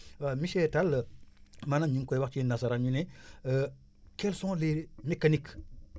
monsieur Tall maanaam ñu ngi koy wax si nasaraan ñu ne quels sont les mécaniques